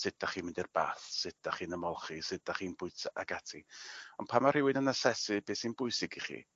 sut 'dach chi'n mynd i'r bath sut 'dach chi'n ymolchi sut dach chi'n bwyta ag ati on' pan ma' rhywun yn asesu beth sy'n bwysig i chi